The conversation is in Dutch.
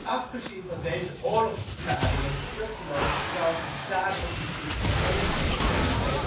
Afgezien van deze oorlogsverklaring en het vruchteloze Franse Saaroffensief van 7 september 1939